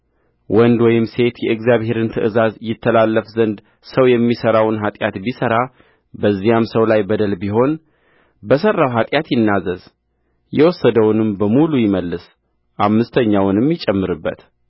ወንድ ወይም ሴት የእግዚአብሔርን ትእዛዝ ይተላለፍ ዘንድ ሰው የሚሠራውን ኃጢአት ቢሠራ በዚያም ሰው ላይ በደል ቢሆን በሠራው ኃጢአት ይናዘዝየወሰደውንም በሙሉ ይመልስ አምስተኛውንም ይጨምርበት